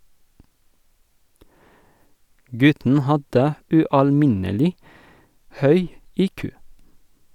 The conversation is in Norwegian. Gutten hadde ualminnelig høy IQ.